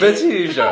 Be' ti'n iwsho?